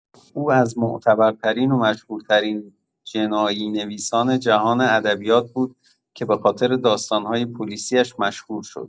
او از معتبرترین و مشهورترین جنایی نویسان جهان ادبیات بود که به‌خاطر داستان‌های پلیسی اش مشهور شد.